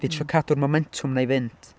'Di trio cadw'r momentwm 'na i fynd.